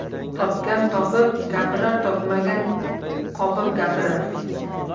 topgan topib gapirar topmagan qopib gapirar